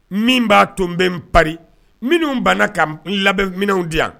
Min b'a tun bɛ n pa minnu banna ka n labɛnminw di yan